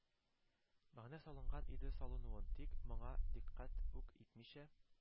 Мәгънә салынган иде салынуын, тик, моңа дикъкать үк итмичә,